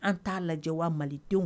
An t'a lajɛ wa malidenw